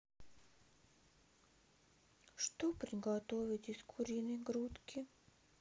что приготовить из куриной грудки